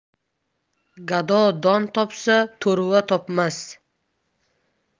gado don topsa to'rva topmas